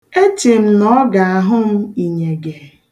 Eche m na ọ ga-ahụ m inyege.